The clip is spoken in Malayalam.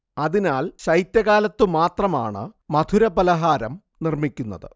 അതിനാൽ ശൈത്യകാലത്തു മാത്രമാണ് മധുരപലഹാരം നിർമ്മിക്കുന്നത്